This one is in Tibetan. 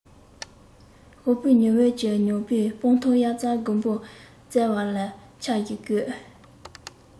ཞོགས པའི ཉི འོད ཀྱིས མྱོས པའི སྤང ཐང དབྱར རྩྭ དགུན འབུ བཙལ བ ལ འཆར གཞི བཀོད